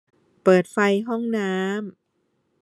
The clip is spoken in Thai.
เปิดไฟห้องน้ำ